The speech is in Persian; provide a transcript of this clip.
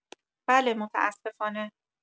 بله متاسفانه